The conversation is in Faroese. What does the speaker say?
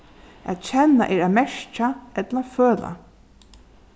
at kenna er at merkja ella føla